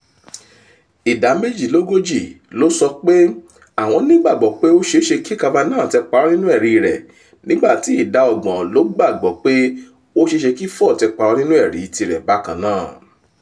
Ìdá méjìdínlógójì ló sọ pé àwọn ní ìgbàgbọ́ pé ó ṣeéṣe kí Kavanaugh ti parọ́ nínú ẹ̀rí rẹ̀ nígbà tí ìdá ọgbọ̀n ló gbàgbọ́ pé ó ṣeéṣe kí Ford ti parọ́ nínú ẹ̀rí tirẹ̀ bákan náà.